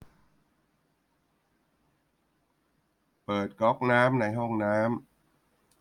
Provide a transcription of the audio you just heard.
เปิดก๊อกน้ำในห้องน้ำ